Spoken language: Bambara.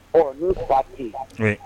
Ɔ ni fa' i la